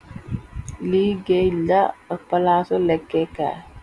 liggéey la ak palasu lekkekaay